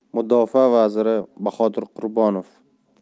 mudofaa vaziri bahodir qurbonov